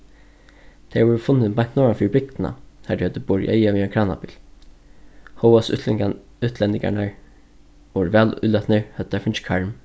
tey vóru funnin beint norðan fyri bygdina har tey høvdu borið eyga við ein kranabil hóast útlendingarnar vóru væl ílatnir høvdu teir fingið karm